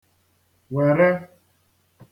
wère